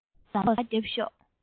གཡུ ཐོག ཟམ པ བརྒྱབ ཤོག